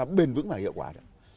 bền vững và hiệu quả được